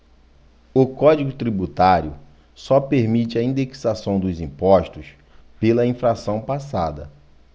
o código tributário só permite a indexação dos impostos pela inflação passada